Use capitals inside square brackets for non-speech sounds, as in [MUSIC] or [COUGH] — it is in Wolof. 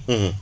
[HESITATION] [HESITATION]